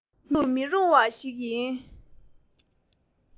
མི སྣ མེད དུ མི རུང བ ཞིག ཡིན